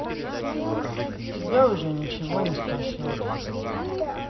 тебя уже ничего не спасет